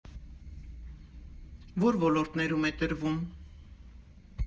Ո՞ր ոլորտներում է տրվում։